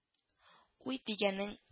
Уй дигәнең